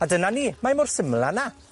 A dyna ni. Mae mor syml â 'na.